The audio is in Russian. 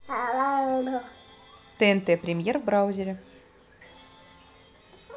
тнт премьер в браузере